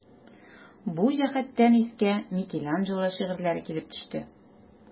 Бу җәһәттән искә Микеланджело шигырьләре килеп төште.